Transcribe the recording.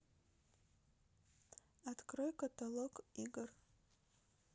открой каталог игр